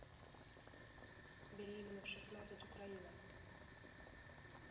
беременна в шестнадцать украина